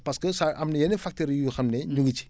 parce que sa am na yenn facteurs yoo xam ne ñu ngi ci